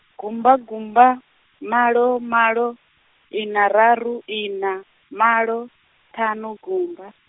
gumba gumba, malo malo, ina raru ina, malo, ṱhanu gumba.